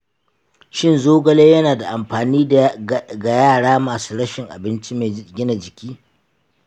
shin zogale yana da amfani ga yara masu rashin abinci mai gina jiki?